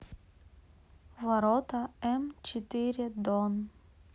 ворота м четыре дон